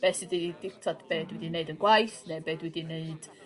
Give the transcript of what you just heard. be' sy 'di dig- t'od be' dw i 'di neud yn gwaith ne' be' dwi 'di neud